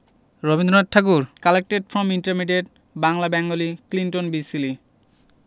Rabindranath Thakur collected from intermediate Bangla Bengali Clinton B Seely